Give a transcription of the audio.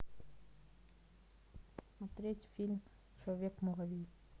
смотреть фильм человек муравей